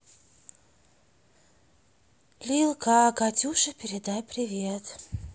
lil ка катюши передай привет